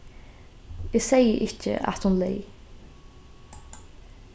eg segði ikki at hon leyg